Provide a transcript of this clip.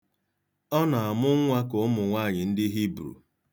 Ọ na-amụ nnwa ka ụmụnwaanyị ndị Hibru.